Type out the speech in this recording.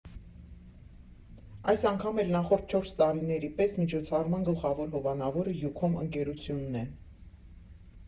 Այս անգամ էլ նախորդ չորս տարիների պես միջոցառման գլխավոր հովանավորը Յուքոմ ընկերությունն է։